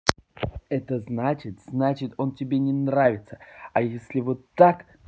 это значит значит он тебе не нравится а если вот так